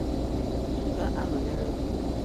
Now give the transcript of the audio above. M ga-anọnyere gị.